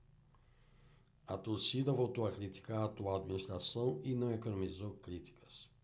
a torcida voltou a criticar a atual administração e não economizou críticas